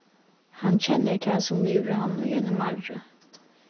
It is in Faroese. hann kennir tað sum livir hann í eini marru